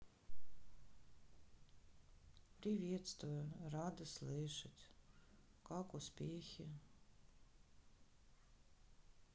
приветствую рада слышать как успехи